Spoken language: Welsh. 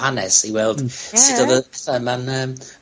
hanes i weld... Hmm. Ie! ...sut odd y thema'n yym